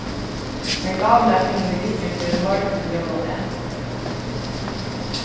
men gávurnar fingu vit ikki fyrr enn um morgunin jóladag